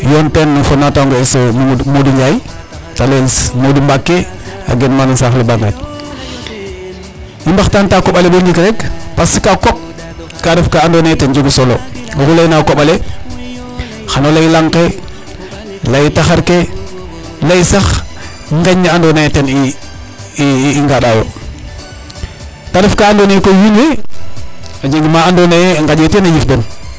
Yoon teen fo natango es Mamadou Ndiaye ta layel Modou Mbacke a gen maana saax le Bangaj i mbaxtaantaa koƥ ale bo ndiik rek parce que a koƥ ka ref ka andoona yee ten jegu solo oxu leyna a koƥ ale xan o lay lanq ke, lay taxar ke, lay sax nqeñ ne sax andoona yee koy wiin we a jega ma andoona yee nqaƴee teen a yiif den sax .